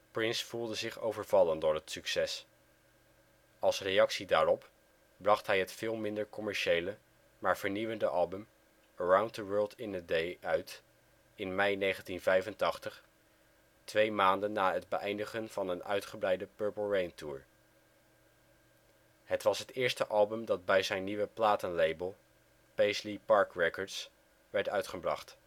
Prince voelde zich overvallen door het succes. Als reactie daarop bracht hij het veel minder commerciële, maar vernieuwende album Around the World in a Day uit in mei 1985, twee maanden na het beëindigen van een uitgebreide Purple Rain Tour. Het was het eerste album dat bij zijn nieuwe platenlabel, Paisley Park Records werd uitgebracht